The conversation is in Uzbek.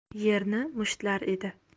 yerni mushtlar edi